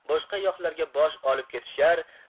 boshqa yoqlarga bosh olib ketishar